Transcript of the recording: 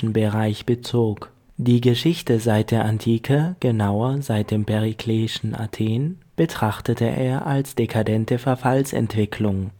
Bereich bezog. Die Geschichte seit der Antike – genauer: seit dem perikleischen Athen – betrachtete er als (dekadente) Verfallsentwicklung